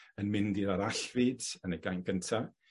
yn mynd i'r arallfyd yn y gainc gynta.